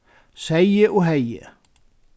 segði og hevði